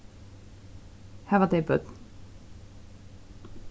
hava tey børn